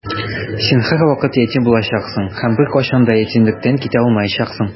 Син һәрвакыт ятим булачаксың һәм беркайчан да ятимлектән китә алмаячаксың.